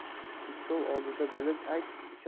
ikkov oldida bilib ayt